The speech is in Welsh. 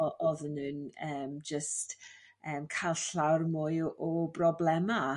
o o'dd en n'w eem jyst em ca'l llawr mwy o o broblema'